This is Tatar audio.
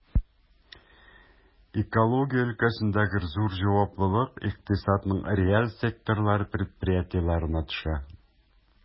Экология өлкәсендәге зур җаваплылык икътисадның реаль секторлары предприятиеләренә төшә.